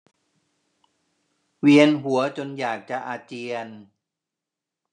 เวียนหัวจนอยากจะอาเจียน